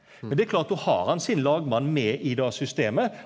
men det er klart då har han sin lagmann med i det systemet.